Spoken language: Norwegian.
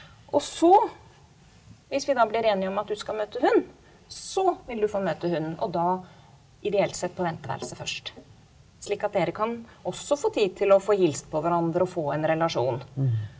og så hvis vi da blir enige om at du skal møte hund, så vil du få møte hunden og da ideelt sett på venteværelset først, slik at dere kan også få tid til å få hilst på hverandre og få en relasjon.